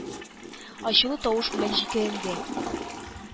Ачулы тавыш белән җикеренде: -